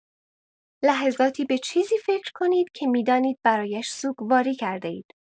لحظاتی به چیزی فکر کنید که می‌دانید برایش سوگواری کرده‌اید.